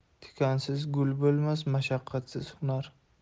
tikansiz gul bo'lmas mashaqqatsiz hunar